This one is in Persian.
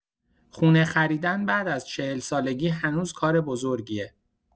خونه خریدن بعد از ۴۰ سالگی هنوز کار بزرگیه!